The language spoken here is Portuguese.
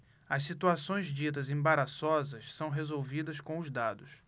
as situações ditas embaraçosas são resolvidas com os dados